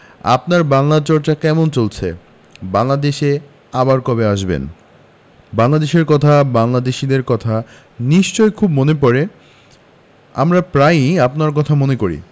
আপনার বাংলা চর্চা কেমন চলছে বাংলাদেশে আবার কবে আসবেন বাংলাদেশের কথা বাংলাদেশীদের কথা নিশ্চয় খুব মনে পরে আমরা প্রায়ই আপনারর কথা মনে করি